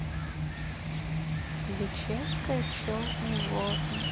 бичевская черный ворон